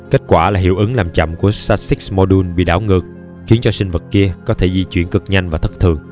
kết quả là hiệu ứng làm chậm của stasis modules bị đảo ngược khiến cho sinh vật kia có thể di chuyển cực nhanh và thất thường